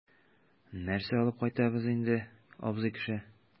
Нәрсә алып кайтабыз инде, абзый кеше?